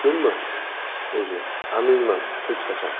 xalqni topish mumkinmi o'zi aminman hech qachon